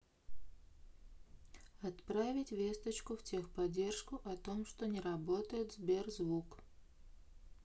отправить весточку в техподдержку о том что не работает сбер звук